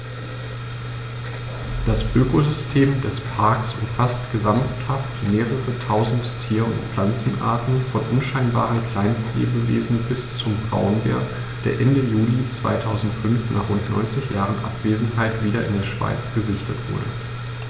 Das Ökosystem des Parks umfasst gesamthaft mehrere tausend Tier- und Pflanzenarten, von unscheinbaren Kleinstlebewesen bis zum Braunbär, der Ende Juli 2005, nach rund 90 Jahren Abwesenheit, wieder in der Schweiz gesichtet wurde.